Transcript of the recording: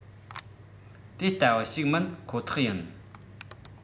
དེ ལྟ བུ ཞིག མིན ཁོ ཐག ཡིན